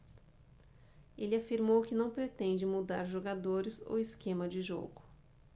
ele afirmou que não pretende mudar jogadores ou esquema de jogo